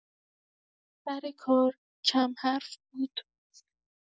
سر کار کم‌حرف بود.